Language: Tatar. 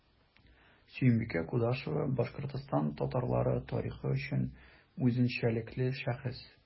Сөембикә Кудашева – Башкортстан татарлары тарихы өчен үзенчәлекле шәхес.